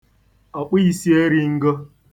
ọ̀kpụīsieringo